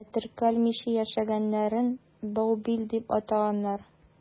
Ә теркәлмичә яшәгәннәрен «баубил» дип атаганнар.